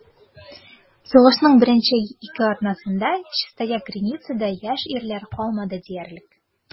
Сугышның беренче ике атнасында Чистая Криницада яшь ирләр калмады диярлек.